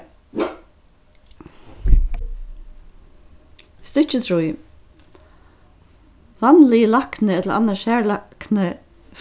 stykki trý vanligi lækni ella annar